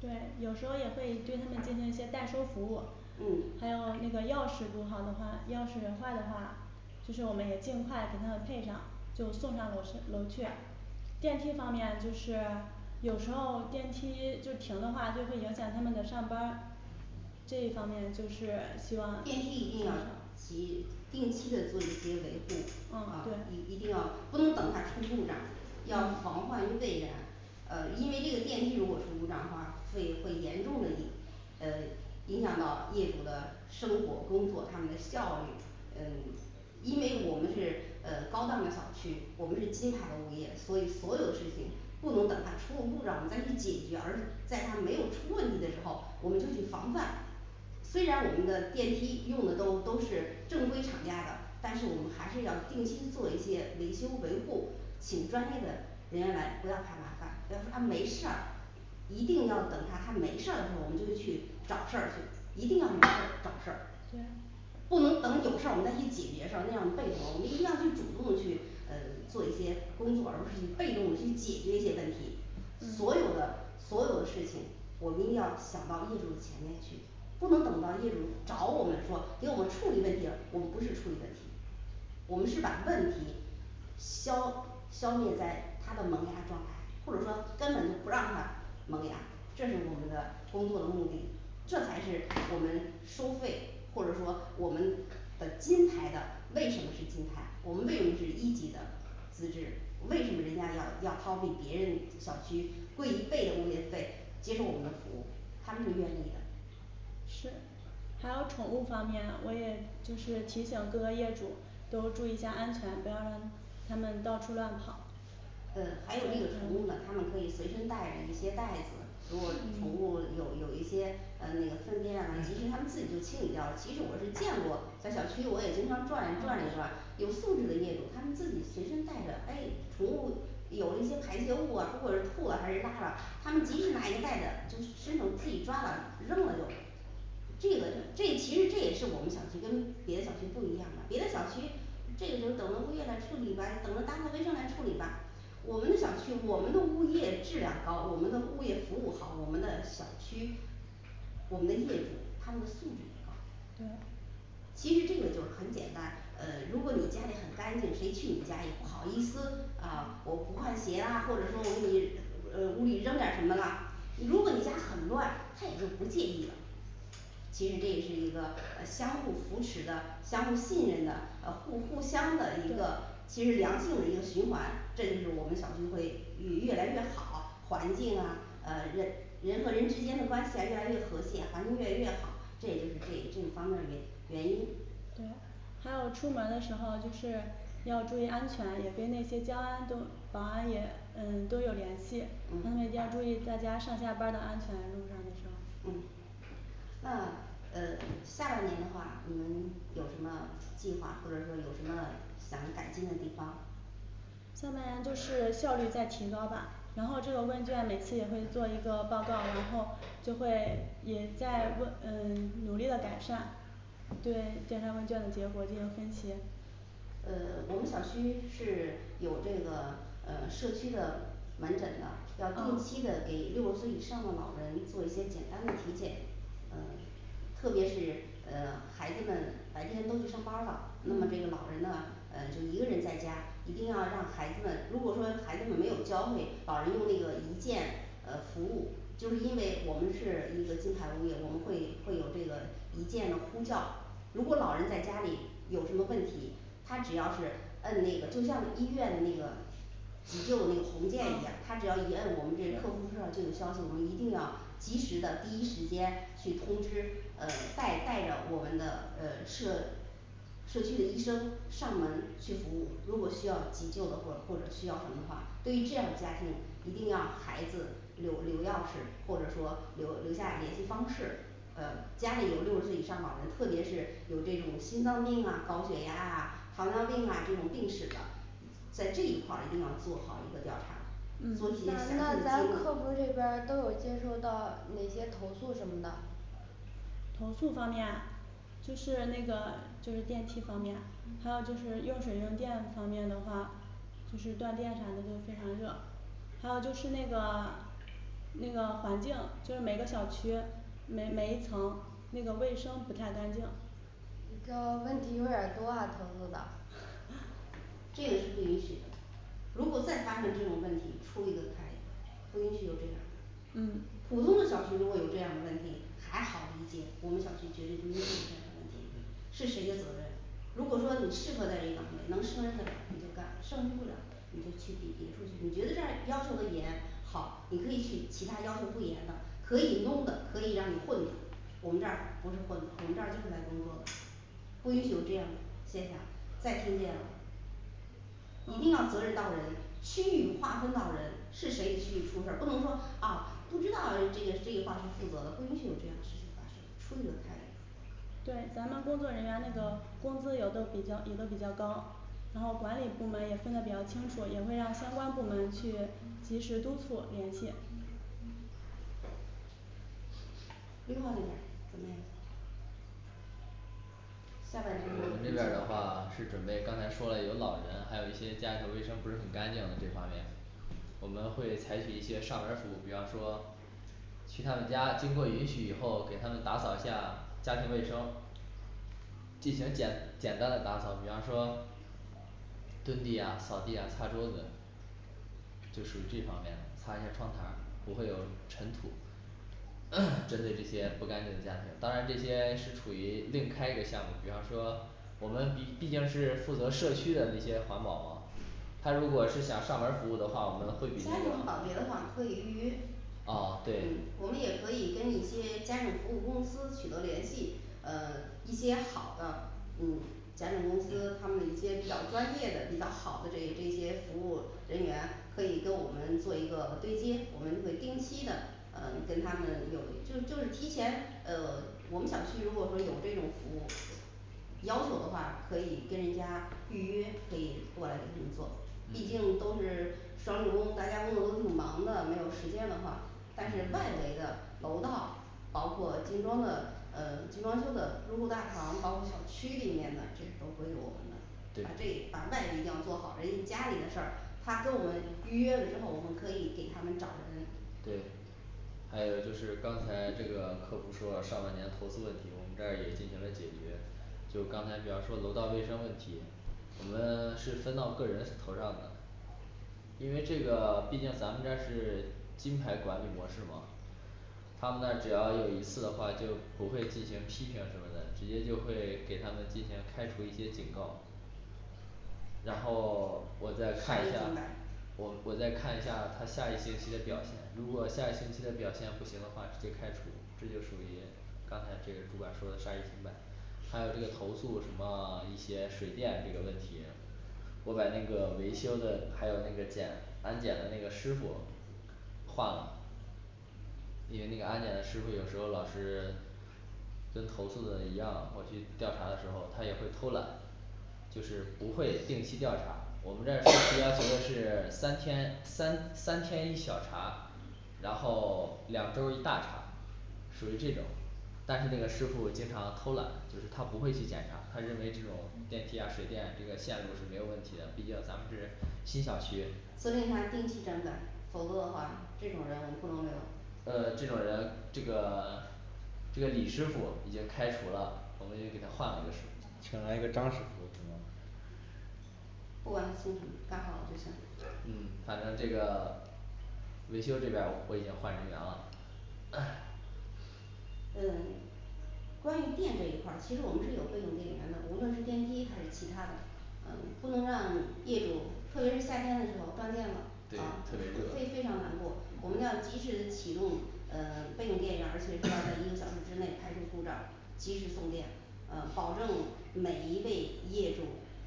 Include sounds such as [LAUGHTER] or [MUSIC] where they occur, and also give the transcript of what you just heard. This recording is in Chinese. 对，有时候也会对他们进行一些代收服务嗯，还有那个钥匙不好的话，钥匙坏的话，就是我们也尽快给他们配上，就送上楼去楼去。电梯方面就是有时候电梯就停的话，就会影响他们的上班儿。这一方面就是希望减电梯一定少要即定期的做一些维护，啊一嗯一定对要不能等它出故障，要嗯防患于未然。呃因为这个电梯如果出故障的话，会会严重的影呃影响到业主的生活工作他们的效率，嗯因为我们是呃高档的小区，我们是金牌的物业，所以所有事情不能等它出了故障我们再去解决，而在它没有出问题的时候，我们就去防范，虽然我们的电梯用的都都是正规厂家的，但是我们还是要定期做一些维修维护，请专业的人员来，不要怕麻烦，要看它没事儿，一定要等它还没事儿的时候我们就去找事儿去，一定要没事儿找事儿对，不能等有事儿我们再去解决事儿，那样被动，我们一定要去主动去呃做一些工作，而不是去被动的去解决一些问题。所有的嗯所有的事情我们一定要想到业主的前面去，不能等到业主找我们说给我们处理问题了，我们不是处理问题，我们是把问题消消灭在它的萌芽状态，或者说根本就不让它萌芽，这是我们的工作的目的，这才是我们收费或者说我们的金牌的为什么是金牌？ 我们为的是一级的资质，为什么人家要要掏比别人小区贵一倍的物业费接受我们的服务，他们是愿意的。是还有宠物方面，我也就是提醒各个业主都注意一下安全，不要让它们到处乱跑。嗯还有那个宠宠物物呢他们可以随身带着一些袋子，如果宠物嗯有有一些嗯那个粪便啊，其实他们自己都清理掉了，其实我是见过在小区我也经常转转一转嗯，有素质的业主，他们自己随身带着诶宠物，有一些排泄物啊如果是吐了，还是拉了，他们及时拿一个袋子就伸手自己抓了，扔了就这个他这其实这也是我们小区跟别的小区不一样的，别的小区这个就等着物业来处理呗，等着打扫卫生来处理吧，我们的小区，我们的物业质量高，我们的物业服务好我们的小区，我们的业主他们的素质也高，对其实这个就很简单，呃如果你家里很干净，谁去你家也不好意思，嗯呃我不换鞋啦，或者说我给你呃屋里扔点什么啦，如果你家很乱，他也就不介意了。其实这也是一个呃相互扶持的相互信任的，呃互互相的一个其实良性的一个循环，这就是我们小区会越越来越好环境啊呃人人和人之间的关系啊越来越和谐，环境越来越好这也就是这这一方面儿原原因行还有出门儿的时候就是要注意安全，也跟那些交安都保安也嗯都有联系，让他们一嗯定要注意大家上下班儿的安全路上的时候，嗯那嗯下半年的话你们有什么计划或者说有什么想改进的地方，下半年就是效率再提高吧，然后这个问卷每次也会做一个报告，然后就会也在问嗯努力的改善，对跟他们交流结果进行分析。嗯我们小区是有这个呃社区的门诊的，要定嗯期的给六十岁以上的老人做一些简单的体检，嗯 [SILENCE] 特别是呃 [SILENCE] 孩子们白天都去上班儿了，那么这个嗯老人呢呃就一个人在家，一定要让孩子们如果说孩子们没有教会老人用那个一键呃服务，就是因为我们是一个金牌物业，我们会会有这个一键的呼叫，如果老人在家里有什么问题，他只要是按那个就像医院那个急救那个红键一样嗯，他只要一按我们这个客户资料就有消息，我们一定要及时的第一时间去通知，呃带带着我们的呃社社区的医生上门去服务，如果需要急救的或或者需要什么的话，对于这样的家庭一定要孩子留留钥匙或者说留留下联系方式。呃家里有六十岁以上老人，特别是有这种心脏病啊、高血压啊、糖尿病啊这种病史的，在这一块儿一定要做好一个调查，做嗯些那详细的那记咱客服录，这边儿都有些接收到哪些投诉什么的。投诉方面，就是那个就是电梯方面还有就是用水用电方面的话，就是断电啥的都非常热，还有就是那个那个环境就是每个小区每每一层那个卫生不太干净，你这问题有点儿多啊投诉的 [NOISE] 这个是不允许的，如果再发生这种问题，出一个开一个不允许有这样的嗯普通的小区如果有这样的问题还好理解，我们小区绝对不允许有这样的问题，是谁的责任？如果说你适合在这个岗位能胜任的了你就干，胜任不了你就去别别处去，你觉得这要求的严，好你可以去其它要求不严的可以弄的可以让你混的。 我们这儿不是混，我们这儿就是来工作的，不允许有这样的现象再出现了，一定要呃责任到人，区域划分到人是谁的区域出事儿，不能说啊不知道这个这一块儿谁负责的，不允许有这样的事情发生，出一个开一个对咱们工作人员那个工资有的比较有的比较高，然后管理部门也分得比较清楚，也会让相关部门去及时督促联系绿化那边儿怎么样？下半年我们这这边边儿儿的情话况是准备刚才说了有老人，还有一些家里的卫生不是很干净这方面，我们会采取一些上门儿服务，比方说去他们家经过允许以后给他们打扫一下家庭卫生，进行简简单的打扫比方说，蹲地呀、扫地呀、擦桌子，就属于这方面，擦一下窗台儿不会有尘土。[HESITATION] 针对这些不干净的家庭，当然这些是处于另开一个项目，比方说我们毕毕竟是负责社区的那些环保嘛，他如果是想上门儿服务的话，我们会给他家庭保洁的话，可以预约们，哦嗯对我们也可以跟一些家政服务公司取得联系，呃一些好的嗯家政公司他们的一些比较专业的比较好的这这些服务人员可以跟我们做一个对接，我们会定期的呃跟他们有就就是提前，呃我们小区如果说有这种服务要求的话，可以跟人家预约，可以过来给他们做，毕竟都是双职工，大家工作都挺忙的，没有时间的话，但是外围嗯的楼道包括精装的呃精装修的入户大堂，包括小区里面的，这是都归我们的，把对这把外力一定要做好人家里的事儿，他跟我们预约了之后，我们可以给他们找人。对，还有就是刚才这个客服说了上半年投资问题，我们这儿也进行了解决。就刚才比方说楼道卫生问题，我们是分到个人头上的，因为这个 [SILENCE] 毕竟咱们这是金牌管理模式嘛，他们那只要有一次的话就不会进行批评什么的，直接就会给他们进行开除一些警告。然后 [SILENCE] 我再杀看一一下儆百，我我再看一下他下一星期的表现，如果下一星期的表现不行的话，直接开除，这就属于刚才这个主管说的杀一儆百。还有就投诉什么 [SILENCE] 一些水电这个问题，我把这个维修的还有那个检安检的那个师傅换了，因为那个安检的师傅有时候老是 [SILENCE] 跟投诉的一样，我去调查的时候他也会偷懒，就是不会定期调查，我们这儿要求的 [HESITATION] 是 [SILENCE] 三天三三天一小查，然后 [SILENCE] 两周儿一大查，属于这种但是那个师傅经常偷懒，就是他不会去检查，他认为这种电梯呀水电之类线路是没有问题的，毕竟咱们这是新小区责令他定期整改，否则的话这种人我们不能留呃这种人这个 [SILENCE] 这个李师傅已经开除了，我们也给他换了一个师傅请了一个张师傅是么，不管他姓什么，干好了就行。嗯反正这个维修这边儿我已经换人员了哎嗯 [SILENCE] 关于电这一块儿，其实我们是有备用电源的，无论是电梯还是其它的，嗯不能让业主特别是夏天的时候断电了对呃特别，热非非常难过，我们要及时的启动嗯 [SILENCE] 备用电源，而且是要在一个小时之内排出故障，及时送电，呃保证每一位业主